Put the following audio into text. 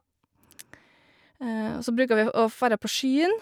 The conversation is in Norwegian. Og så bruker vi å færra på sjyn.